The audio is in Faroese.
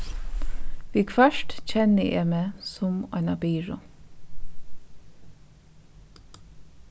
viðhvørt kenni eg meg sum eina byrðu